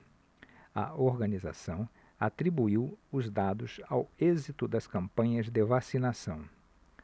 a organização atribuiu os dados ao êxito das campanhas de vacinação